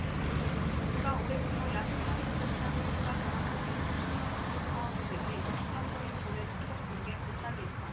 정부가 올해부터 야심차게 시작한 국가재난안전통신망 구축사업에 대해 비판적인 견해를 피력한 게 발단이었다